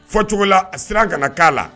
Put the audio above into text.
Fɔ cogola a sira ka kana la